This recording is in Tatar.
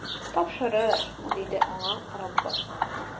Тапшырыр, - диде аңа Раббы.